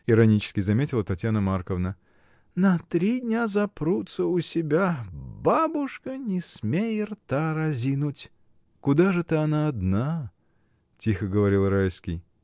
— иронически заметила Татьяна Марковна, — на три дня запрутся у себя. Бабушка не смей рта разинуть! — Куда ж это она одна?. — тихо говорил Райский.